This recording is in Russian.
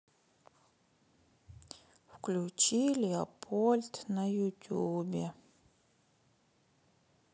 включи леопольд на ютубе